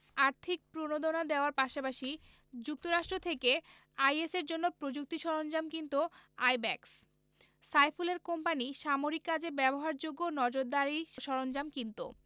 আর্থিক প্রণোদনা দেওয়ার পাশাপাশি যুক্তরাষ্ট্র থেকে আইএসের জন্য প্রযুক্তি সরঞ্জাম কিনত আইব্যাকস সাইফুলের কোম্পানি সামরিক কাজে ব্যবহারযোগ্য নজরদারি সরঞ্জাম কিনত